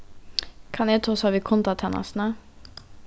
kann eg tosa við kundatænastuna